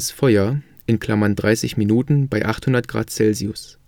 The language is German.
Feuer (30 Minuten bei 800 °C